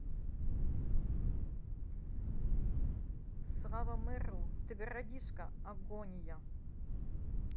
слава мэрлоу ты городишка агония